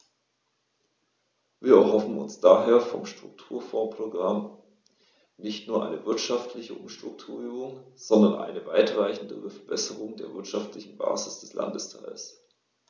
Wir erhoffen uns daher vom Strukturfondsprogramm nicht nur eine wirtschaftliche Umstrukturierung, sondern eine weitreichendere Verbesserung der wirtschaftlichen Basis des Landesteils.